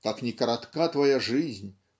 как ни коротка твоя жизнь